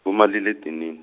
kumalile edinini.